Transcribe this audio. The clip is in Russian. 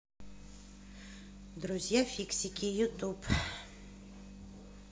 друзья фиксики ютуб